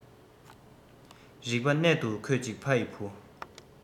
རིག པ གནད དུ ཁོད ཅིག ཕ ཡི བུ